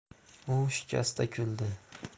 u shikasta kuldi